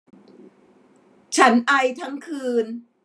ฉันไอทั้งคืน